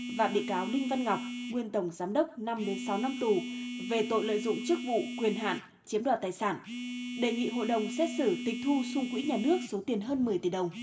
và bị cáo đinh văn ngọc nguyên tổng giám đốc năm đến sáu năm tù về tội lợi dụng chức vụ quyền hạn chiếm đoạt tài sản đề nghị hội đồng xét xử tịch thu sung quỹ nhà nước số tiền hơn mười tỷ đồng